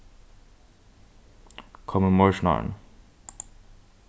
kom í morgin árini